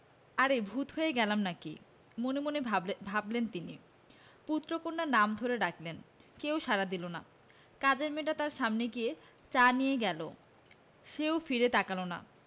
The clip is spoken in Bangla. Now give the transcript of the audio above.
আরে ভূত হয়ে গেলাম নাকি মনে মনে ভাবলেন তিনি পুত্র কন্যার নাম ধরে ডাকলেন কেউ সাড়া দিল না কাজের মেয়েটা তাঁর সামনে দিয়ে চা নিয়ে গেল সে ও ফিরে তাকাল না